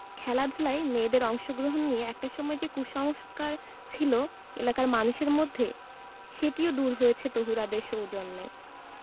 খেলাধুলায় মেয়েদের অংশগ্রহণ নিয়ে একটা সময় যে কুসংস্কার ছিল এলাকার মানুষের মধ্যে সেটিও দূর হয়েছে তহুরাদের সৌজন্যে